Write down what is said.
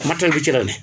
matériels bi ci lay ne